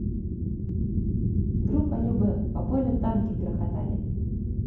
группа любэ по полю танки грохотали